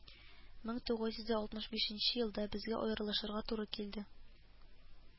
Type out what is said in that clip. Мең тугыз йөз дә алтмыш бишенче елда безгә аерылышырга туры килде